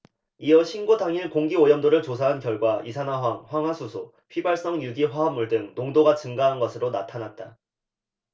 이어 신고 당일 공기오염도를 조사한 결과 이산화황 황화수소 휘발성유기화합물 등 농도가 증가한 것으로 나타났다